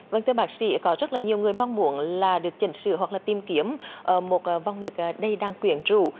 vâng thưa bác sĩ có rất là nhiều người mong muốn là được chỉnh sửa hoặc là tìm kiếm ở một ở vòng ngực ờ đầy đặn quyến rũ